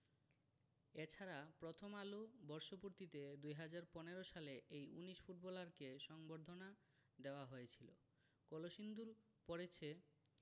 এ ছাড়া প্রথম আলো বর্ষপূর্তিতে ২০১৫ সালে এই ১৯ ফুটবলারকে সংবর্ধনা দেওয়া হয়েছিল কলসিন্দুর পড়েছে